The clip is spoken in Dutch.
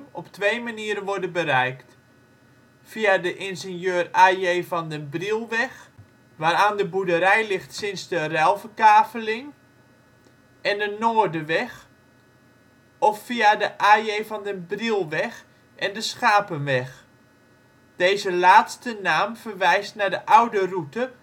op twee manieren worden bereikt: via de Ir. A.J. van den Brielweg, waaraan de boerderij ligt sinds de ruikverkaveling en de Noorderweg of via de A.J. van den Brielweg en de Schapenweg. Deze laatste naam verwijst naar de oude route